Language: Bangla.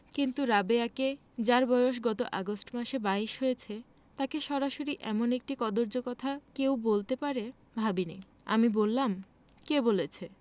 কিন্তু রাবেয়াকে যার বয়স গত আগস্ট মাসে বাইশ হয়েছে তাকে সরাসরি এমন একটি কদৰ্য কথা কেউ বলতে পারে ভাবিনি আমি বললাম কে বলেছে